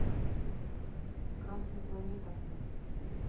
красная планета